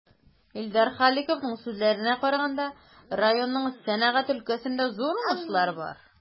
Илдар Халиковның сүзләренә караганда, районның сәнәгать өлкәсендә зур уңышлары бар.